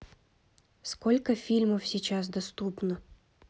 сколько фильмов сейчас доступно